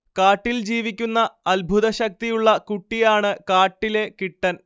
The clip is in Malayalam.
കാട്ടിൽ ജീവിക്കുന്ന അത്ഭുത ശക്തിയുള്ള കുട്ടിയാണ് കാട്ടിലെ കിട്ടൻ